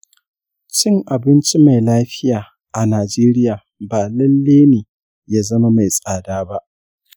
cin abinci mai lafiya a najeriya ba lallai ne ya zama mai tsada ba.